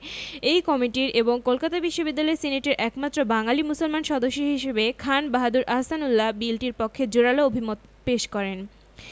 এই কমিটির এবং কলকাতা বিশ্ববিদ্যালয় সিনেটের একমাত্র বাঙালি মুসলমান সদস্য হিসেবে খান বাহাদুর আহসানউল্লাহ বিলটির পক্ষে জোরালো অভিমত পেশ করেন